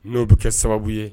N'o bɛ kɛ sababu ye